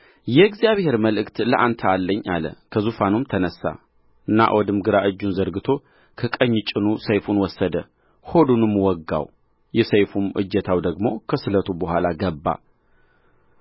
የእግዚአብሔር መልእክት ለአንተ አለኝ አለ ከዙፋኑም ተነሣ ናዖድም ግራ እጁን ዘርግቶ ከቀኝ ጭኑ ሰይፉን ወሰደ ሆዱንም ወጋው የሰይፉም እጀታው ደግሞ ከስለቱ በኋላ ገባ